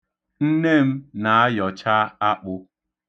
Nne m na-ayọcha akpụ.